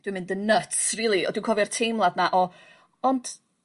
dw i'n mynd yn nyts rili a dwi cofio'r teimlad 'na o ond